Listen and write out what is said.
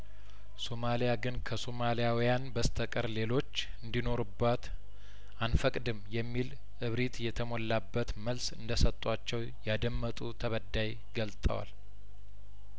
ሶማሊያግን ከሶማሊያውያን በስተቀር ሌሎች እንዲኖሩባት አንፈቅድም የሚል እብሪት የተሞላበት መልስ እንደሰጧቸው ያደመጡ ተበዳይ ገልጠዋል